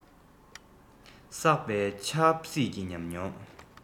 བསགས པའི ཆབ སྲིད ཀྱི ཉམས མྱོང